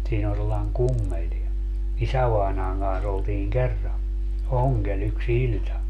siinä on sellainen kummeli niin isävainajan kanssa oltiin kerran ongella yksi ilta